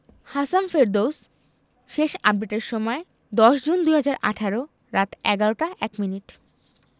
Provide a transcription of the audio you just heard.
হাসাম ফেরদৌস শেষ আপডেটের সময় ১০ জুন ২০১৮ রাত ১১টা ১ মিনিট